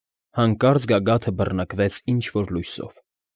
Հանկարծ գագաթը բռնկվեց ինչ֊որ լույսով։